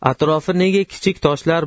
atrofi nega kichik toshlar